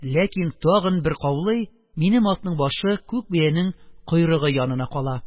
Ләкин тагы бер каулый, минем атның башы күк биянең койрыгы янына кала.